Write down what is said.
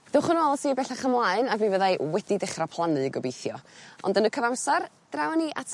Dewch yn ôl ati y' bellach ymlaen ac fi fyddai wedi dechra plannu gobeithio. ond yn y cyfamsar draw â ni at...